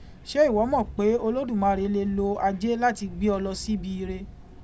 Ṣé ìwọ mọ̀ pé Olódùmarè lè lo Ajé láti gbé ọ lọ síbi ire?